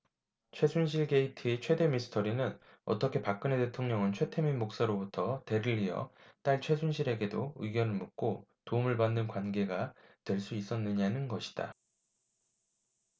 최순실 게이트의 최대 미스터리는 어떻게 박근혜 대통령은 최태민 목사로부터 대를 이어 딸 최순실씨에게도 의견을 묻고 도움을 받는 관계가 될 수 있었느냐는 것이다